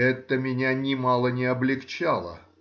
— это меня нимало не облегчало